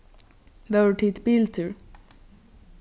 vóru tit biltúr